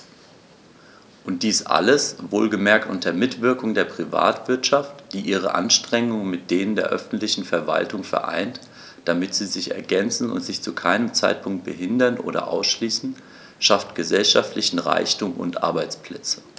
Und dies alles - wohlgemerkt unter Mitwirkung der Privatwirtschaft, die ihre Anstrengungen mit denen der öffentlichen Verwaltungen vereint, damit sie sich ergänzen und sich zu keinem Zeitpunkt behindern oder ausschließen schafft gesellschaftlichen Reichtum und Arbeitsplätze.